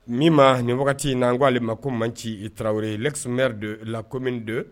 Mima nin wagati in na an ko ale ma ko Manci i Traoré l'ex maire de la commune de